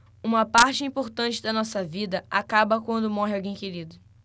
uma parte importante da nossa vida acaba quando morre alguém querido